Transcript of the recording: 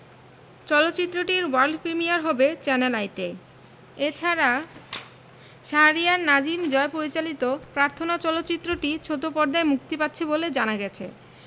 চলচ্চিত্রটির world premiere হবে channel আইতে এ ছাড়া শাহরিয়ার নাজিম জয় পরিচালিত প্রার্থনা চলচ্চিত্রটি ছোট পর্দায় মুক্তি পাচ্ছে বলে জানা গেছে